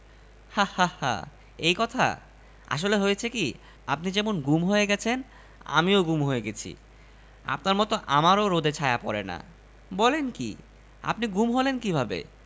হা হা হা এই কথা আসলে হয়েছে কি আপনি যেমন গুম হয়ে গেছেন আমিও গুম হয়ে গেছি আপনার মতো আমারও রোদে ছায়া পড়ে না বলেন কী আপনি গুম হলেন কীভাবে